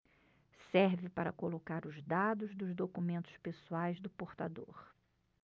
serve para colocar os dados dos documentos pessoais do portador